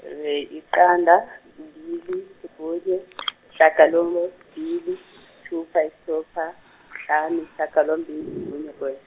yiqanda, kubili kunye, shagalombili yisithupha yisithupha, kuhlanu shagalombili kunye kuny-.